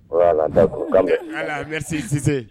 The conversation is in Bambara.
Ala ala bɛ se kisise